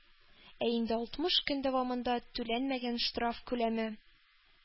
Ә инде алтмыш көн дәвамында түләнмәгән штраф күләме,